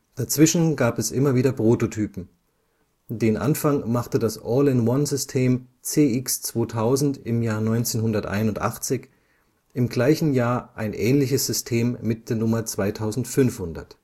Dazwischen gab es immer wieder Prototypen. Den Anfang machte das All-in-One-System CX-2000 im Jahr 1981, im gleichen Jahr ein ähnliches System mit der Nummer 2500